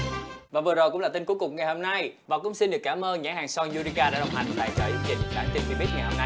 và vừa rồi cũng là tin cuối cùng ngày hôm nay và cũng xin được cảm ơn nhãn hàng son ru ni ga đã đồng hành tài trợ chương trình bản tin vi bít ngày hôm nay